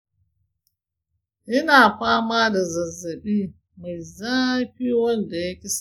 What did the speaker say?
ina fama da zazzabi mai zafi wanda ya ƙi sauka.